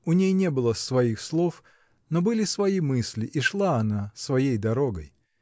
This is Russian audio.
у ней не было "своих слов", но были свои мысли, и шла она своей дорогой.